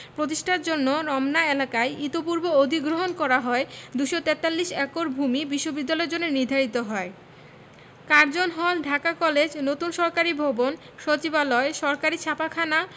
প্রতিষ্ঠার জন্য রমনা এলাকায় ইতিপূর্বে অধিগ্রহণ করা হয় ২৪৩ একর ভূমি বিশ্ববিদ্যালয়ের জন্য নির্ধারিত হয় কার্জন হল ঢাকা কলেজ নতুন সরকারি ভবন সচিবালয় সরকারি ছাপাখানা